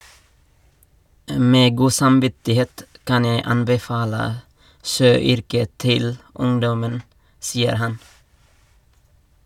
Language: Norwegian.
- Med god samvittighet kan jeg anbefale sjøyrket til ungdommen, sier han.